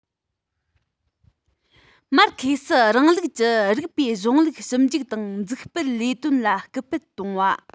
མར ཁེ སིའི རིང ལུགས ཀྱི རིགས པའི གཞུང ལུགས ཞིབ འཇུག དང འཛུགས སྤེལ ལས དོན ལ སྐུལ སྤེལ གཏོང བ